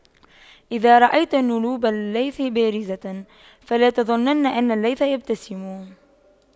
إذا رأيت نيوب الليث بارزة فلا تظنن أن الليث يبتسم